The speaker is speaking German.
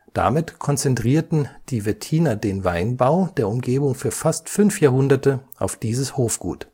Damit konzentrierten die Wettiner den Weinbau der Umgebung für fast fünf Jahrhunderte auf dieses Hofgut